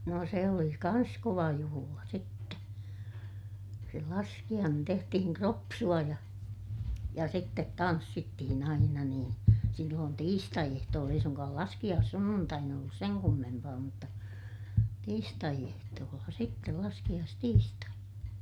no se oli kanssa kova juhla sitten se laskiainen tehtiin kropsua ja ja sitten tanssittiin aina niin silloin tiistaiehtoolla ei suinkaan laskiaissunnuntaina ollut sen kummempaa mutta tiistaiehtoolla sitten laskiaistiistaina